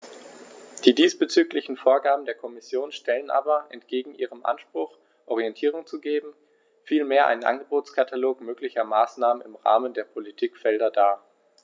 Die diesbezüglichen Vorgaben der Kommission stellen aber entgegen ihrem Anspruch, Orientierung zu geben, vielmehr einen Angebotskatalog möglicher Maßnahmen im Rahmen der Politikfelder dar.